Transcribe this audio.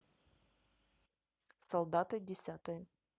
солдаты десятые